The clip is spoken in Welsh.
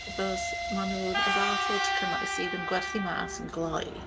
Achos maen nhw'n y fath o tocynnau sydd yn gwerthu mas yn glou.